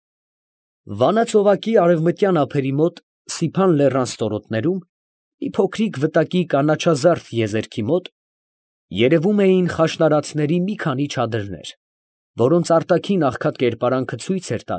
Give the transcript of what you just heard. Վանա ծովակի արևմտյան ափերի մոտ, Սիփան լեռան ստորոտներում, մի փոքրիկ վտակի կանաչազարդ եզերքի մոտ, երևում էին խաշնարածների մի քանի չադրներ, որոնց արտաքին աղքատ կերպարանքը ցույց էր։